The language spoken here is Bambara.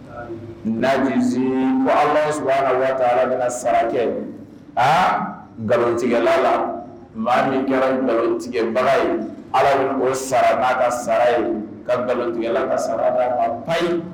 ko Alahu subahana watala bɛna sara kɛ, Han!!! nkalontigɛla maa min kɛra nkalon tigɛ baga ye ko Ala bɛna o sara n'a ka sara ye, ka nkalontigɛla ka sara d'a ma, payi!